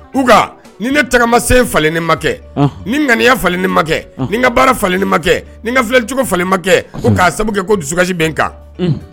U ni ne tagamasen falenle ne makɛ ni ŋaniya fa makɛ ni ka baara fali makɛ ni kafilicogo falen makɛ k'a sababu ko dusukasi bɛ kan